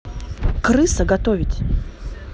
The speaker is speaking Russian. крыса готовить